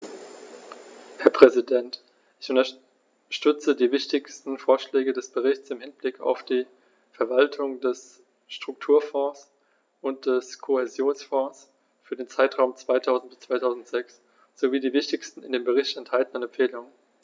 Herr Präsident, ich unterstütze die wichtigsten Vorschläge des Berichts im Hinblick auf die Verwaltung der Strukturfonds und des Kohäsionsfonds für den Zeitraum 2000-2006 sowie die wichtigsten in dem Bericht enthaltenen Empfehlungen.